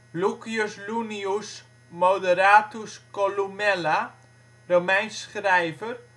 Iunius Moderatus Columella, Romeins schrijver